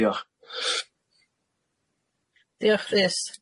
Diolch. Diolch Rhys.